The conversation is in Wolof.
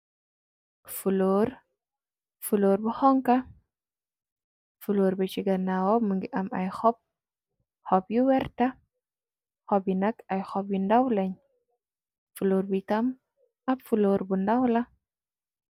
Fuloor bu honka fuloor be ci gannaawa më ngi am ay xob xob yu werta xob yi nag ay xob yu ndaw lañ fu loor bitam ab fuloor bu ndaw la.